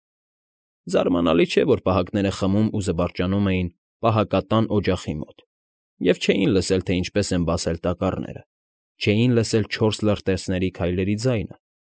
Զարմանալի է, որ պահակները խմում ու զվարճանում էին պահակատան օջախի մոտ և չէին լսում, թե ինչպես են բացել տակառները, չէին լսել չորս լրտեսների քայլերի ձայնը։